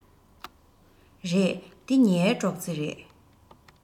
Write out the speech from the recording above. རེད འདི ངའི སྒྲོག རྩེ རེད